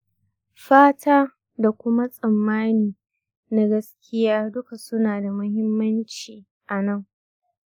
fata da kuma tsammani na gaskiya duka suna da muhimmanci a nan.